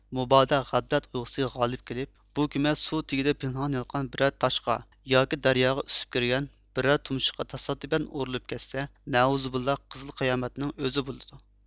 مۇبادا غەپلەت ئۇيقۇسى غالىپ كېلىپ بۇ كېمە سۇ تېگىدە پىنھان ياتقان بىرەر تاشقا ياكى دەرياغا ئۈسۈپ كىرگەن بىرەر تۇمشۇققا تاسادىپەن ئۇرۇلۇپ كەتسە نەئۇزۇبىللا قىزىل قىيامەتنىڭ ئۆزى بولىدۇ